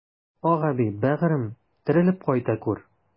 Акъәби, бәгырем, терелеп кайта күр!